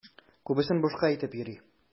Күбесен бушка әйтеп йөри.